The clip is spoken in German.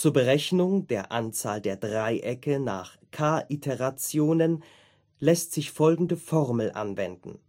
Berechnung der Anzahl der Dreiecke nach k Iterationen lässt sich folgende Formel anwenden